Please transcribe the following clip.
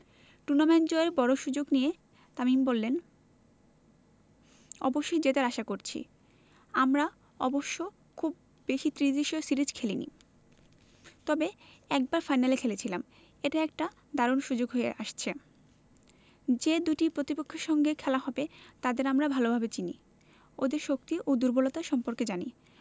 tournament জয়ের বড় সুযোগ নিয়ে তামিম বললেন অবশ্যই জেতার আশা করছি আমরা অবশ্য খুব বেশি ত্রিদেশীয় সিরিজ খেলেনি তবে একবার ফাইনাল খেলেছিলাম এটা একটা দারুণ সুযোগ হয়ে আসছে যে দুই প্রতিপক্ষের সঙ্গে খেলা হবে তাদের আমরা ভালোভাবে চিনি ওদের শক্তি ও দুর্বলতা সম্পর্কে জানি